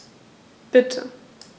Bitte.